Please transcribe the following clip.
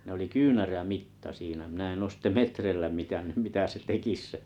ne oli kyynärämitta siinä minä en ole sitten metreillä mitannut mitä se tekisi se